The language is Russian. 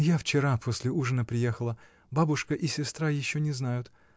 — Я вчера после ужина приехала: бабушка и сестра еще не знают.